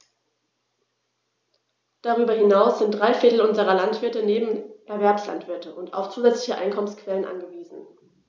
Darüber hinaus sind drei Viertel unserer Landwirte Nebenerwerbslandwirte und auf zusätzliche Einkommensquellen angewiesen.